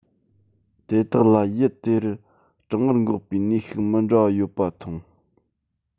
དེ དག ལ ཡུལ དེ དུ གྲང ངར འགོག པའི ནུས ཤུགས མི འདྲ བ ཡོད པ མཐོང